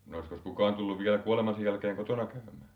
no olisikos kukaan tullut vielä kuolemansa jälkeen kotona käymään